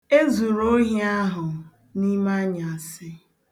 E zuru ohi ahụ n'ime anyasị.